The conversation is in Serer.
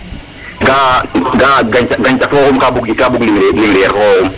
ga 'a gancax fo xoxum ka bug ka bug lumiere fo xoxum